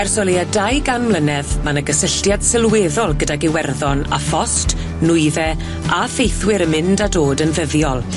Ers o leia dau gan mlynedd, ma' 'na gysylltiad sylweddol gydag Iwerddon a phost, nwydde, a theithwyr yn mynd a dod yn ddyddiol.